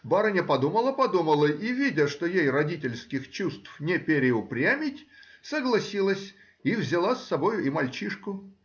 Барыня подумала-подумала — и, видя, что ей родительских чувств не переупрямить, согласилась и взяла с собою и мальчишку.